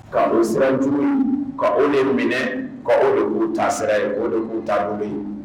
Ka o siran jugu ka o ni minɛ ka o de k'u ta sɛ ye o de k'u ta don ye